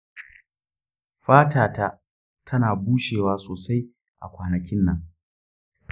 fatata ta na bushewa sosai a kwanakin nan.